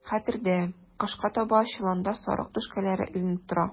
Хәтердә, кышка таба чоланда сарык түшкәләре эленеп тора.